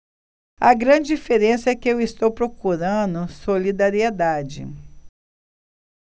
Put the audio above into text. a grande diferença é que eu estou procurando solidariedade